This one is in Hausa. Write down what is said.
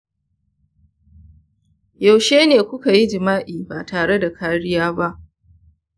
yaushe ne kuka yi jima’i ba tare da kariya ba?